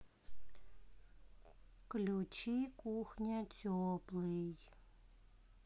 включи кухня теплый